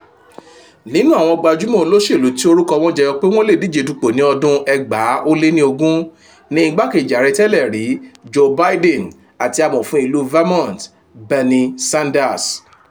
Nínú àwọn gbajúmọ̀ olóṣèlú tí orúkọ wọn jẹyọ pé wọ́n lè díje dupò ní ọdún 2020 ni igbákejì ààrẹ tẹ́lẹ̀ rí Joe Biden àti Amòfin ìlú Vermont, Bernie Sanders.